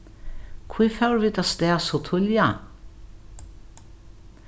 hví fóru vit avstað so tíðliga